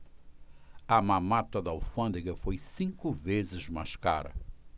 a mamata da alfândega foi cinco vezes mais cara